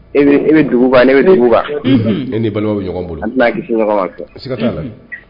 Bɛ duguba bɛ duguba e ni balima ɲɔgɔn bolo ka